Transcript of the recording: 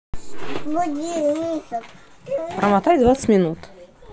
промотай двадцать минут